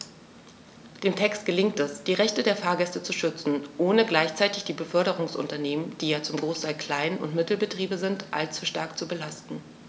Dem Text gelingt es, die Rechte der Fahrgäste zu schützen, ohne gleichzeitig die Beförderungsunternehmen - die ja zum Großteil Klein- und Mittelbetriebe sind - allzu stark zu belasten.